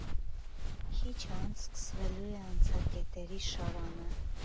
Քիչ անց սկսվելու է անցակետերի շարանը։